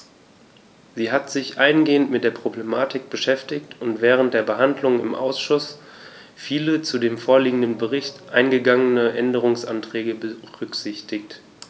Sie hat sich eingehend mit der Problematik beschäftigt und während der Behandlung im Ausschuss viele zu dem vorliegenden Bericht eingegangene Änderungsanträge berücksichtigt.